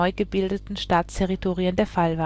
gebildeten Staatsterritorien der Fall